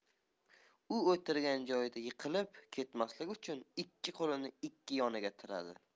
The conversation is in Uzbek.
u o'tirgan joyida yiqilib ketmaslik uchun ikki qo'lini ikki yoniga tiradi